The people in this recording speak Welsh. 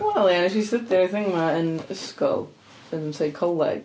Wel ia, wnes i astudio thing'yma yn ysgol, yn seicoleg.